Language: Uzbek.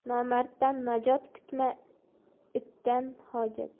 nomarddan najot kutma itdan hojat